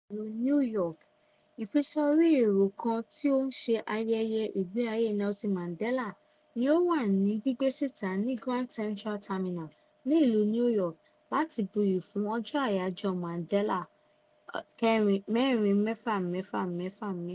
Wíwà pẹ̀lú New York, ìfisórí ẹ̀rọ kan tí ó ń ṣe ayẹyẹ ìgbé ayé Nelson Mandela ni ó wà ní gbígbé síta ní Grand Central Terminal ní ìlú New York láti buyì fún ọjọ́ àyájọ́ Mandela 46664.